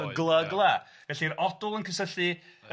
So gly gly, felly'r odl yn cysylltu,